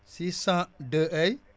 602